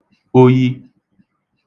oyi